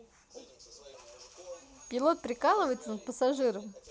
пилот прикалывается над пассажиром